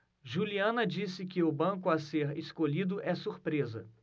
juliana disse que o banco a ser escolhido é surpresa